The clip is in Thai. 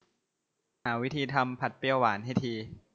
หาวิธีทำผัดเปรี้ยวหวานให้ที